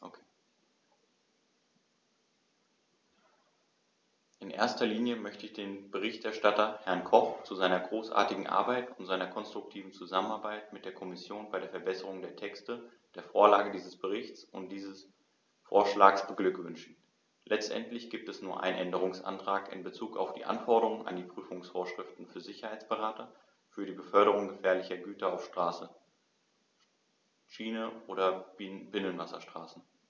In erster Linie möchte ich den Berichterstatter, Herrn Koch, zu seiner großartigen Arbeit und seiner konstruktiven Zusammenarbeit mit der Kommission bei der Verbesserung der Texte, der Vorlage dieses Berichts und dieses Vorschlags beglückwünschen; letztendlich gibt es nur einen Änderungsantrag in bezug auf die Anforderungen an die Prüfungsvorschriften für Sicherheitsberater für die Beförderung gefährlicher Güter auf Straße, Schiene oder Binnenwasserstraßen.